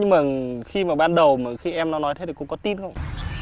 nhưng mà khi mà ban đầu mà khi em nó nói thế thì cô có tin không